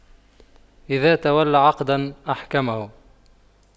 إذا تولى عقداً أحكمه